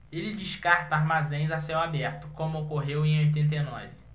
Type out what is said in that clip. ele descarta armazéns a céu aberto como ocorreu em oitenta e nove